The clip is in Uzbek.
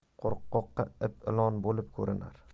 qo'rqoqqa ip ilon bo'lib ko'rinar